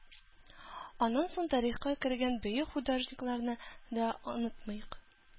Аннан соң тарихка кергән бөек художникларны да онытмыйк.